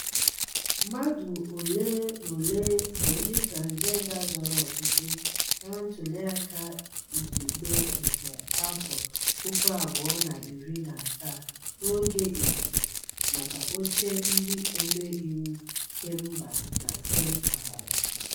Mmadụ ole na ole bụ Transịjenda zọrọ ọchịchị na Ntụliaka Izugbe nke 2018 n'oge izizi maka oche Ndị Omeiwu Kemba na Kempaghara.